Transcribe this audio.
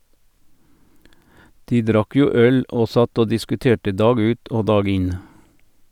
De drakk jo øl, og satt og diskuterte dag ut og dag inn.